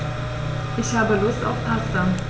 Ich habe Lust auf Pasta.